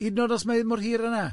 Hyd yn oed os mae e mor hir a 'na?